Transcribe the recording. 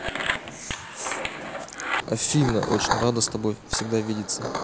афина очень рада с тобой всегда видится